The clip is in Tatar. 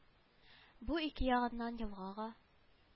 Бу ике ягыннан елга ага